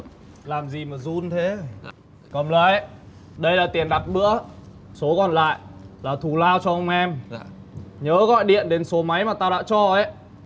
làm gì mà run thế cầm lấy đây là tiền đặt bữa số còn lại là thù lao cho ông em nhớ gọi điện đến số máy mà tao đã cho ấy